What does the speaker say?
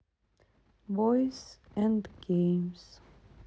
бойс энд геймс